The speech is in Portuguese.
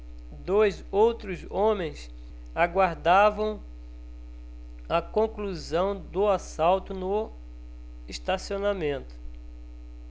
dois outros homens aguardavam a conclusão do assalto no estacionamento